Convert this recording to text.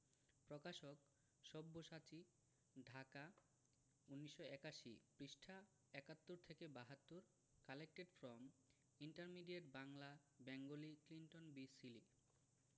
প্রকাশকঃ সব্যসাচী ঢাকা ১৯৮১ পৃষ্ঠাঃ ৭১ থেকে ৭২ collected from intermediate Bangla Bengali Clinton B Seely